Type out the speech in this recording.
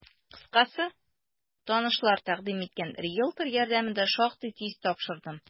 Кыскасы, танышлар тәкъдим иткән риелтор ярдәмендә шактый тиз тапшырдым.